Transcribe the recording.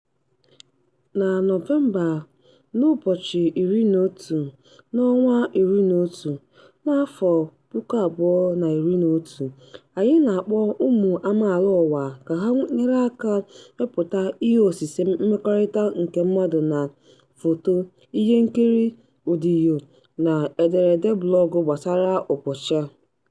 Na Nọvemba, na 11/11/11 anyị na-akpọ ụmụ amaala ụwa ka ha nyere aka mepụta ihe osise mmekọrịta nke mmadụ na: foto, ihe nkiri, ọdịyo, na ederede blọọgụ gbasara ụbọchị a.